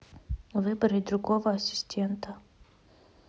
выбрать другого ассистента